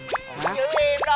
giữ